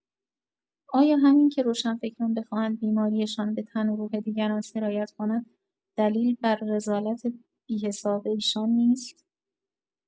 آیا همین که روشنفکران بخواهند بیماری‌شان به تن و روح دیگران سرایت کند، دلیل بر رذالت بی‌حساب ایشان نیست؟